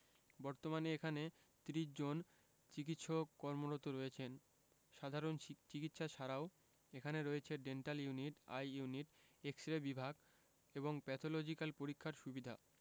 বর্তমানে এখানে ৩০ জন চিকিৎসক কর্মরত রয়েছেন সাধারণ চিকিৎসা ছাড়াও এখানে রয়েছে dental unit eye unit X ray বিভাগ এবং প্যাথলজিক্যাল পরীক্ষার সুবিধা